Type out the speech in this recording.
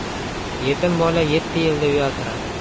yetim bola yetti yilda uyaltirar